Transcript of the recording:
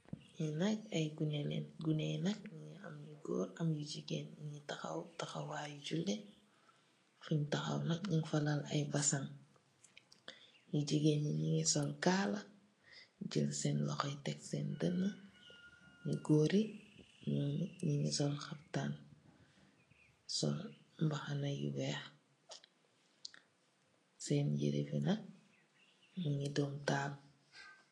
Ñii nak ay gunné lañ, Gunné yi nak ñu ngi am xalé yu goor ak jigéen, ñu ngi taxaw, taxawaa yu julli. Fuñ taxaw nak, ñuñ fa lal ay basañg. Jigeen yi ñu ngi sol kaala, jël seen loxo tek seen dënnë. Ñu goor yi, ñoomit ñu ngi sol xaftaan, sol mbaxana yu weex. Seen yirë bi nak, mu ngi am, doom taal.